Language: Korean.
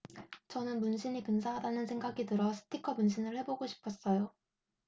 저는 문신이 근사하다는 생각이 들어 스티커 문신을 해 보고 싶었어요